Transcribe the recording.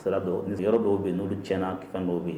Sira dɔrɔ nsiyɔrɔ dɔw be ye n'olu tiɲɛna k fɛn dɔw be